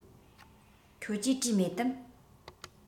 ཁྱོད ཀྱིས བྲིས མེད དམ